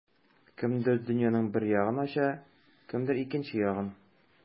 Кемдер дөньяның бер ягын ача, кемдер икенче ягын.